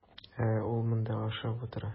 Ә ул монда ашап утыра.